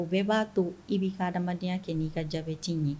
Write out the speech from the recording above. O bɛɛ b'a to i bi ka adamadenya kɛ n'i ka diabète in ye.